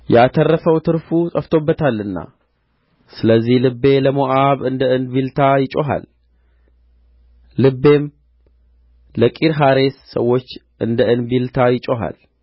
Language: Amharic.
ያተረፈው ትርፉ ጠፍቶበታልና ስለዚህ ልቤ ለሞዓብ እንደ እንቢልታ ይጮኻል ልቤም ለቂርሔሬስ ሰዎች እንደ እንቢልታ ይጮኻል